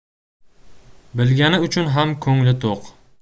bilgani uchun ham ko'ngli to'q